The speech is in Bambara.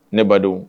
Ne ba don